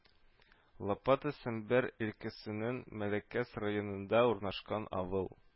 Лопата Сембер өлкәсенең Мәләкәс районында урнашкан авыл